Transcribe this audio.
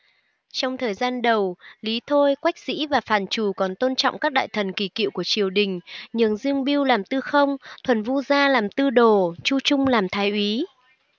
trong thời gian đầu lý thôi quách dĩ và phàn trù còn tôn trọng các đại thần kỳ cựu của triều đình nhường dương bưu làm tư không thuần vu gia làm tư đồ chu trung làm thái úy